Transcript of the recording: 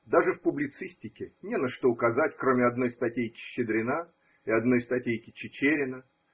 Даже в публицистике не на что указать, кроме одной статейки Щедрина и одной статейки Чичерина.